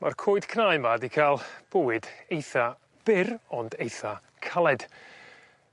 Ma'r coed cnau 'ma 'di ca'l bywyd eitha byr ond eitha caled.